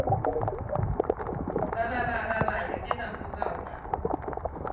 ба ба ба бабайка где там пугалка